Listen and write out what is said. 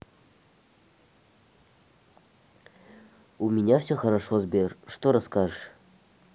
у меня все хорошо сбер что расскажешь